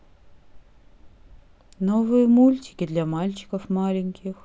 новые мультики для мальчиков маленьких